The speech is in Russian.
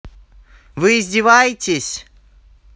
вы издеваетесь